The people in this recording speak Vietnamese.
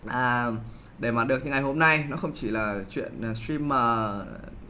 à để mà được như ngày hôm nay nó không chỉ là chuyện trim mờ